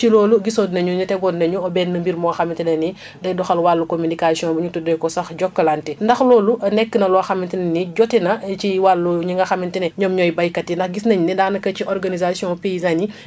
ci loolu gisoon nañu ñu tegoon nañu benn mbir moo xamante ne nii day doxal wàllu communication bi ñu tuddee ko sax Jokalante ndax loolu nekk na loo xamante ne nii jote na ci wàllu ñi nga xamante ne ñoom ñooy béykat yi ndax gis nañ ne daanaka ci organisations paysanes yi